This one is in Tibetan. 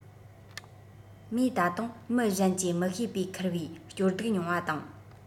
མོས ད དུང མི གཞན གྱིས མི ཤེས པའི འཁུར བའི སྐྱོ སྡུག མྱོང བ དང